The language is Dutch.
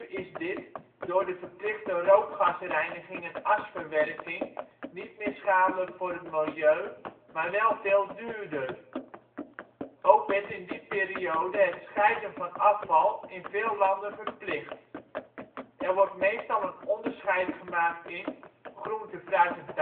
is dit door de verplichte rookgasreiniging en asverwerking niet meer schadelijk voor het milieu, maar wel veel duurder. Ook werd in die periode het scheiden van afval in veel landen verplicht. Er wordt meestal een onderscheid gemaakt in: Groente -, fruit